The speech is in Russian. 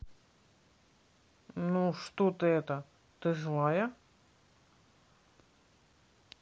ну что ты это ты злая